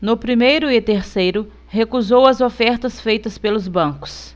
no primeiro e terceiro recusou as ofertas feitas pelos bancos